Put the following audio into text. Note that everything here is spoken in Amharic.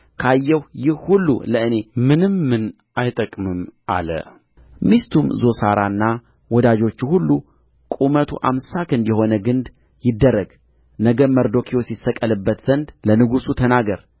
ካየሁ ይህ ሁሉ ለእኔ ምንምን አይጠቅምም አለ ሚስቱም ዞሳራና ወዳጆቹ ሁሉ ቁመቱ አምሳ ክንድ የሆነ ግንድ ይደረግ ነገም መርዶክዮስ ይሰቀልበት ዘንድ ለንጉሡ ተናገር